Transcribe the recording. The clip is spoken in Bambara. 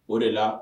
O de la